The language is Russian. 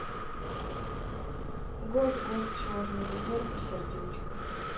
год год черного верка сердючка